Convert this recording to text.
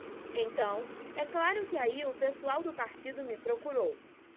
então é claro que aí o pessoal do partido me procurou